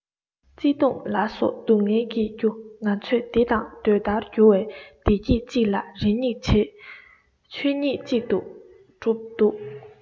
བརྩེ དུང ལ སོགས སྡུག བསྔལ གྱི རྒྱུ ང ཚོས དེ དང ཟློས ཟླར གྱུར བའི བདེ སྐྱིད ཅིག ལ རེ སྙེག བྱེད ཆོས ཉིད ཅིག ཏུ གྲུབ འདུག